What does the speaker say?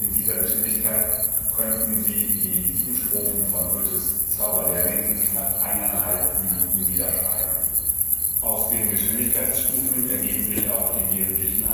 dieser Geschwindigkeit könnten sie die sieben Strophen von Goethes „ Zauberlehrling “in knapp eineinhalb Minuten niederschreiben. Aus den Geschwindigkeitsstufen ergeben sich auch die wesentlichen